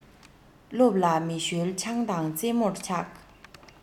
སློབ ལ མི ཞོལ ཆང དང རྩེད མོར ཆགས